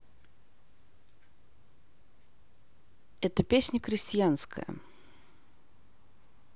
эта песня крестьянская